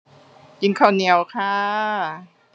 กินข้าวเหนียวค่ะ